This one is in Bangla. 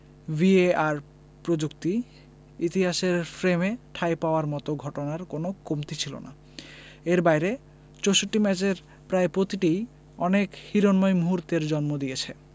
ভিএআর প্রযুক্তি ইতিহাসের ফ্রেমে ঠাঁই পাওয়ার মতো ঘটনার কোনো কমতি ছিল না এর বাইরে ৬৪ ম্যাচের প্রায় প্রতিটিই অনেক হিরণ্ময় মুহূর্তের জন্ম দিয়েছে